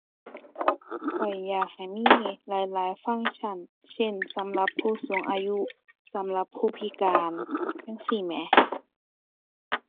ข้อยอยากให้มีหลายหลายฟังก์ชัน เช่นสำหรับผู้สูงอายุ สำหรับผู้พิการ จั่งซี้แหม